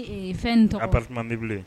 Ee fɛn in tɔgɔ, appartement meublé